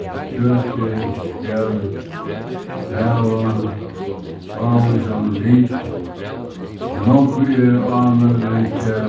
kjøtið skal hava ávísan lit nógv eru ónøgd við ta